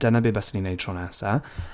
Dyna be baswn i'n wneud tro nesa.